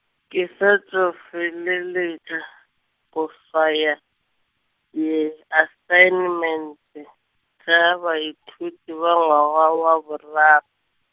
ke sa tšo feleletša, go swaya, diasaenmente, tša baithuti ba ngwaga wa borar-.